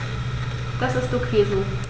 Das ist ok so.